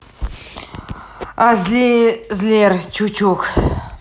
азизлер чучук